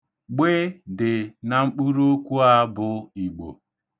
'Gb' dị na mkpụrụokwu a bụ 'Igbo'.